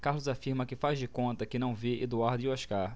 carlos afirma que faz de conta que não vê eduardo e oscar